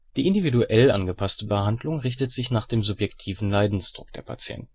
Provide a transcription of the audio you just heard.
individuell angepasste Behandlung richtet sich nach dem subjektiven Leidensdruck der Patienten. Primär